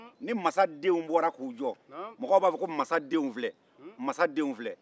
ni masadenw bɔra k'u jɔ mɔgɔw b'a fɔ ko masadenw filɛ masadenw filɛ